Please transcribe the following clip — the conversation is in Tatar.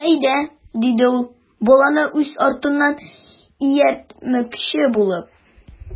Әйдә,— диде ул, баланы үз артыннан ияртмөкче булып.